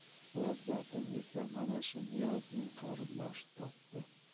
lazzatini esa mana shu niyozning qarindoshi totdi